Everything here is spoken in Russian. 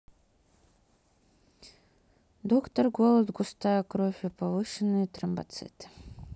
доктор голод густая кровь и повышенные тромбоциты